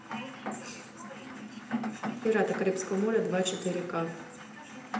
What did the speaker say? пираты карибского моря два четыре ка